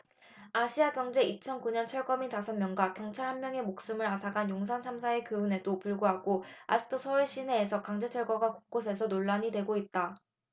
아시아경제 이천 구 년 철거민 다섯 명과 경찰 한 명의 목숨을 앗아간 용산참사의 교훈에도 불구하고 아직도 서울 시내에서 강제철거가 곳곳에서 논란이 되고 있다